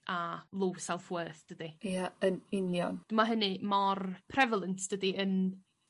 a low self worth dydi? Ie yn union. Ma' hynny mor prevalent dydi yn